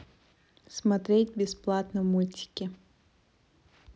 смотреть бесплатно мультики